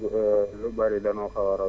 alxamdulilaa Cissé